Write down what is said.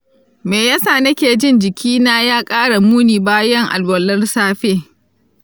me ya sa nake jin jiki ya ƙara muni bayan alwalar safe?